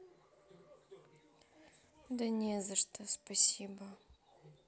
да не за что спасибо